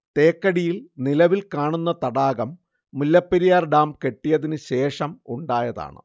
തേക്കടിയിൽ നിലവിൽ കാണുന്ന തടാകം മുല്ലപ്പെരിയാർ ഡാം കെട്ടിയതിന് ശേഷം ഉണ്ടായതാണ്